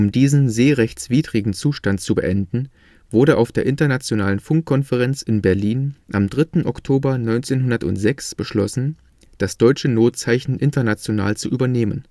diesen seerechtswidrigen Zustand zu beenden, wurde auf der Internationalen Funkkonferenz in Berlin am 3. Oktober 1906 beschlossen, das deutsche Notzeichen international zu übernehmen